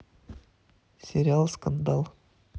сериал скандал